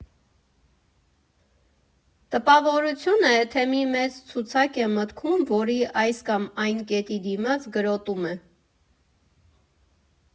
Տպավորություն է, թե մի մեծ ցուցակ է մտքում, որի այս կամ այն կետի դիմաց գրոտում է։